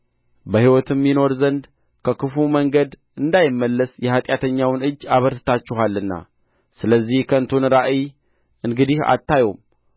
በሕይወትም ይኖር ዘንድ ከክፉ መንገድ እንዳይመለስ የኃጢአተኛውን እጅ አበርትታችኋልና ስለዚህ ከንቱን ራእይ እንግዲህ አታዩም